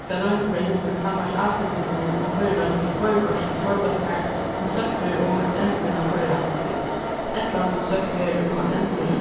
skal royndin verða hildin sambært ásetingunum um koyriroynd til koyrikort til teir bólkar sum søkt verður um at endurvinna koyrirættin til ella sum søkt verður um at endurnýggja